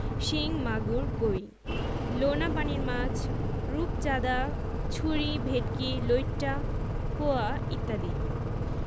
শিং মাগুর কৈ লোনাপানির মাছ রূপচাঁদা ছুরি ভেটকি লইট্ট পোয়া ইত্যাদি